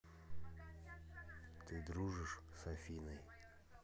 ты дружишь с афиной